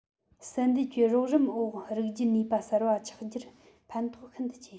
བསལ འདེམས ཀྱི རོགས རམ འོག རིགས རྒྱུད གཉིས པ གསར པ ཆགས རྒྱུར ཕན ཐོགས ཤིན ཏུ ཆེ